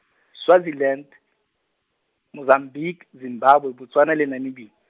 Swaziland, Mozambique, Zimbabwe Botswana le Namibi-.